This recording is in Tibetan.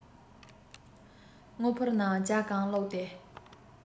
དངུལ ཕོར ནང ཇ གང བླུགས ཏེ